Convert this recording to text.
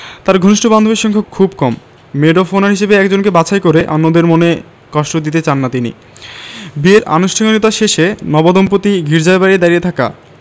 তাঁর ঘনিষ্ঠ বান্ধবীর সংখ্যা খুব কম মেড অব অনার হিসেবে একজনকে বাছাই করে অন্যদের মনে কষ্ট দিতে চান না তিনি বিয়ের আনুষ্ঠানিকতা শেষে নবদম্পতি গির্জার বাইরে দাঁড়িয়ে থাকা